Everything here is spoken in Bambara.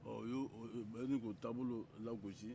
ɛɛ u bɛ ɲinin k'o taabolo lagosi